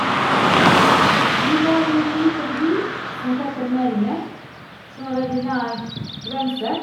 Vi var i en liten by som heter Meljine, som er veldig nær grense.